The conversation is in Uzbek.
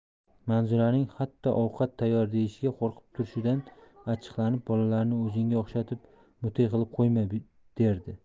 manzuraning hatto ovqat tayyor deyishga qo'rqib turishidan achchiqlanib bolalarni o'zingga o'xshatib mute qilib qo'yma derdi